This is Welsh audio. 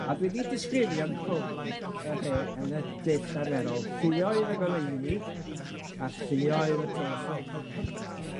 A dwi 'di disgrifio nhw, y rhe yn y dull arferol, lluoedd y goleuni, a lluoedd y tywyllwch.